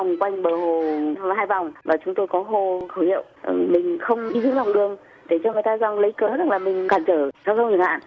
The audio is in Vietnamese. vòng quanh bờ hồ hai vòng và chúng tôi có hộ khẩu hiệu ừ mình không đi xuống lòng đường để cho người ta giằng lấy cớ là mình cản trở giao thông chẳng hạn